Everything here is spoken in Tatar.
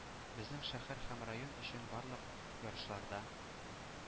Безнең шәһәр һәм район өчен барлык ярышларда